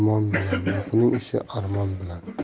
yo'qning ishi armon bilan